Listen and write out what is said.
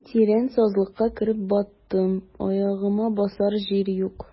Мин тирән сазлыкка кереп баттым, аягыма басар җир юк.